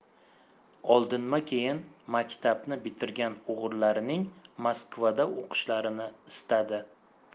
oldinma keyin maktabni bitirgan o'g'illarining moskvada o'qishlarini istadi